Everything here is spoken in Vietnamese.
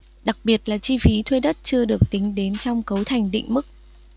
đặc biệt là chi phí thuê đất chưa được tính đến trong cấu thành định mức